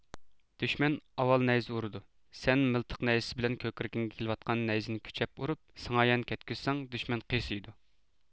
دۈشمەن ئاۋۋال نەيزە ئۇرىدۇ سەن مىلتىق نەيزىسى بىلەن كۆكرىكىڭگە كېلىۋاتقان نەيزىنى كۈچەپ ئۇرۇپ سىڭايان كەتكۈزىسەن دۈشمەن قىيسىيىدۇ